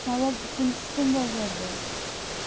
savob uchun tushdim bozorga